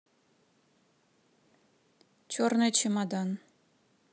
черный чемодан